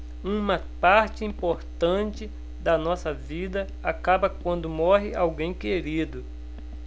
uma parte importante da nossa vida acaba quando morre alguém querido